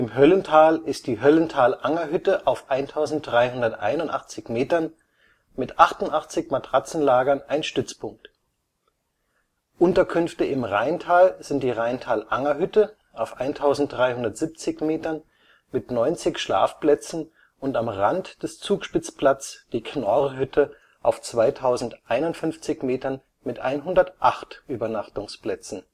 Höllental ist die Höllentalangerhütte (1381 m) mit 88 Matratzenlagern ein Stützpunkt. Unterkünfte im Reintal sind die Reintalangerhütte (1370 m) mit 90 Schlafplätzen und am Rand des Zugspitzplatts die Knorrhütte (2051 m) mit 108 Übernachtungsplätzen